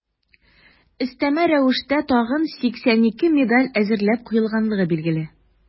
Өстәмә рәвештә тагын 82 медаль әзерләп куелганлыгы билгеле.